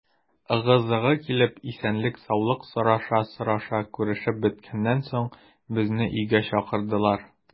Ыгы-зыгы килеп, исәнлек-саулык сораша-сораша күрешеп беткәннән соң, безне өйгә чакырдылар.